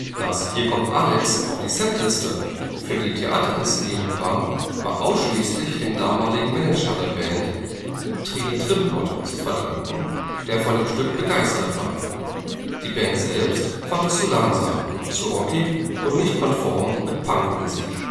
Dass Hier kommt Alex auf die Setliste für die Theaterinszenierung kam, war ausschließlich dem damaligen Manager der Band Trini Trimpop zu verdanken, der von dem Stück begeistert war. Die Band selbst fand es zu langsam, zu rockig und nicht konform mit Punkmusik